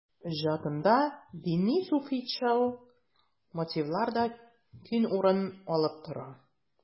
Иҗатында дини-суфыйчыл мотивлар да киң урын алып тора.